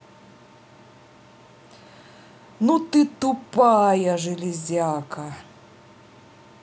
ну ты тупая железяка